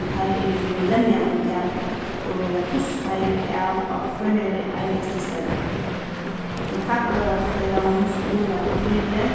tí teir eru fyri lemjandi tapi og verða tuskaðir av á hvørjari einastu stevnu í kappróðrarfelagnum stúra tey fyri